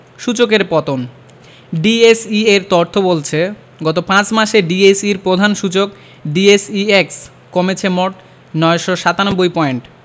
সূচকের পতন ডিএসইর তথ্য বলছে গত ৫ মাসে ডিএসইর প্রধান সূচক ডিএসইএক্স কমেছে মোট ৯৩৭ পয়েন্ট